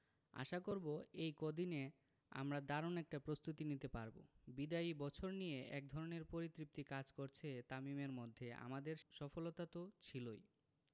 আশা করব এই কদিনে আমরা দারুণ একটা প্রস্তুতি নিতে পারব বিদায়ী বছর নিয়ে একধরনের পরিতৃপ্তি কাজ করছে তামিমের মধ্যে আমাদের সফলতা তো ছিলই